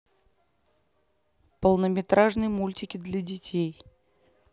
полнометражные мультики для детей